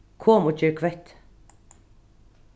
kom og ger kvettið